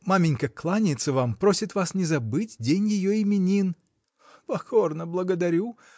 Маменька кланяется вам, просит вас не забыть день ее именин. — Покорно благодарю!